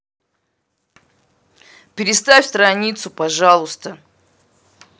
переставь страницу пожалуйста